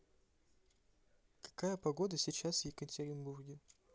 какая погода сейчас в екатеринбурге